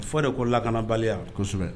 Fɔ de ko lakanabaliya kosɛbɛ